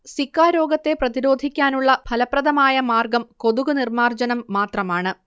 Zika രോഗത്തെ പ്രതിരോധിക്കാനുള്ള ഫലപ്രദമായ മാർഗ്ഗം കൊതുകുനിർമ്മാർജ്ജനം മാത്രമാണ്